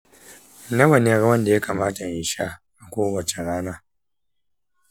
nawa ne ruwan da ya kamata in sha kowace rana?